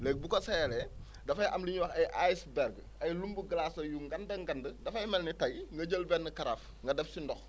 léegi bu ko seeyalee dafay am lu ñuy wax ay Ice berg ay lumbu glaces la yu ngand a ngand dafay mel ni tey nga jël benn carafe nga def si ndox